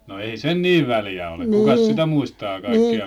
no ei sen niin väliä ole kukas sitä muistaa kaikkia